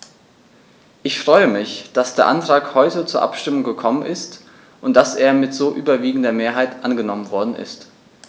Ich freue mich, dass der Antrag heute zur Abstimmung gekommen ist und dass er mit so überwiegender Mehrheit angenommen worden ist.